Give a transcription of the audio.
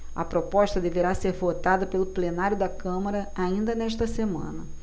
a proposta deverá ser votada pelo plenário da câmara ainda nesta semana